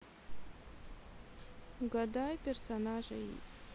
угадай персонажа из